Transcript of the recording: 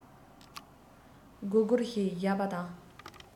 སྒོར སྒོར ཞིག བཞག པ དང